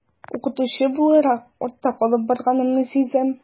Укытучы буларак артта калып барганымны сизәм.